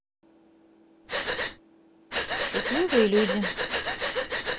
счастливые люди